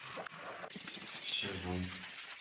Чыжым